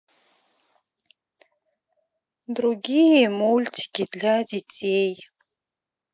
другие мультики для детей